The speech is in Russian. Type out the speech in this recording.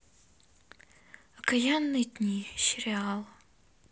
окаянные дни сериал